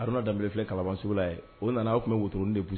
Haruna Dembele filɛ Kalaban sugu la ye o nana o kun be wotoroni de pu